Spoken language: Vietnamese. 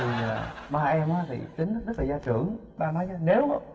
thì ba em thì tính rất là gia trưởng ba nói với em nếu